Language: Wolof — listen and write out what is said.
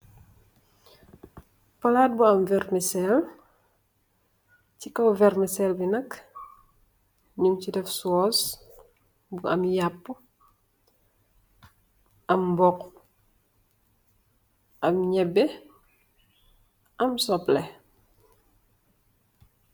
Plaat bu am warmasel, ci kaw warmasel bi nak, nyun si def soos bu am yapu, am booxu, am nyeebe, am soble